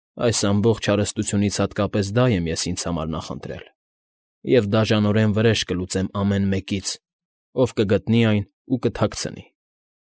Այս ամբողջ հարստությունից հատկապես դա եմ ես ինձ համար նախընտրել և դաժանորեն վրեժ կլուծեմ ամեն մեկից, ով կգտնի այն ու կթաքցնի։